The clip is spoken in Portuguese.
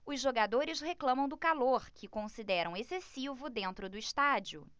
os jogadores reclamam do calor que consideram excessivo dentro do estádio